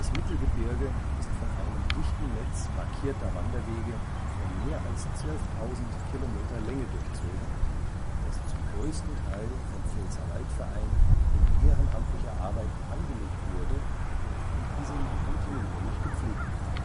Mittelgebirge ist von einem dichten Netz markierter Wanderwege von mehr als 12.000 km Länge durchzogen, das zum größten Teil vom Pfälzerwald-Verein in ehrenamtlicher Arbeit angelegt wurde und von diesem kontinuierlich gepflegt